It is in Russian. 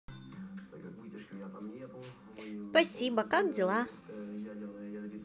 спасибо как дела